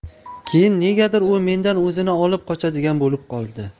keyin negadir u mendan o'zini olib qochadigan bo'lib qoldi